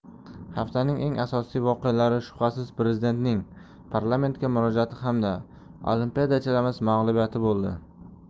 haftaning eng asosiy voqealari shubhasiz prezidentning parlamentga murojaati hamda olimpiadachilarimiz mag'lubiyati bo'ldi